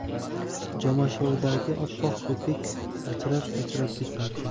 jomashovdagi oppoq ko'pik sachrab sachrab ketardi